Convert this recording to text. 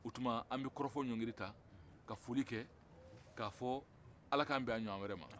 o tuma an bɛ kɔrɔfɔ ɲɔngiri ta k'a fɔ ala k'an bɛn a ɲɔgɔn wɛrɛ ma